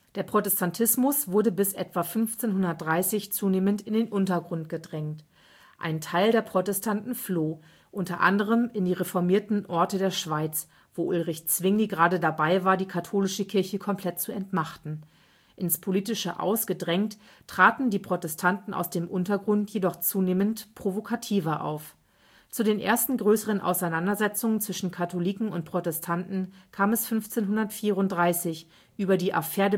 Der Protestantismus wurde bis etwa 1530 zunehmend in den Untergrund gedrängt. Ein Teil der Protestanten floh, unter anderem in die reformierten Orte der Schweiz, wo Ulrich Zwingli gerade dabei war, die katholische Kirche komplett zu entmachten. Ins politische Aus gedrängt, traten die Protestanten aus dem Untergrund jedoch zunehmend provokativer auf. Zu den ersten größeren Auseinandersetzungen zwischen Katholiken und Protestanten kam es 1534 über die Affaire